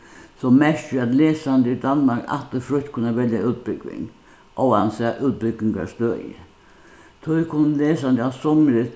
sum merkir at lesandi í danmark aftur frítt kunna velja útbúgving óansæð útbúgvingarstøði tí kunnu lesandi á sumri